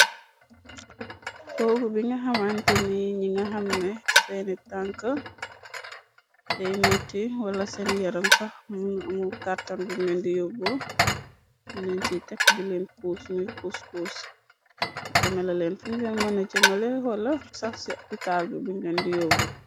Toogu bi nga xamaante ni, ñi nga xamne seeni tank tey miti, wala seeni yaram sax amu kàrtan bumleen di yóbbo, ñu lañ ci takk di leen pos muy poskos, jëmele leen finder mëna jëmele, wala sax ci opitaal bi ,buñuleen di yóbb.